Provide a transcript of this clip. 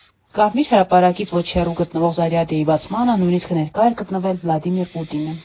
Կարմիր հրապարակից ոչ հեռու գտնվող Զարյադյեի բացմանը նույնիսկ ներկա էր գտնվել Վլադիմիր Պուտինը։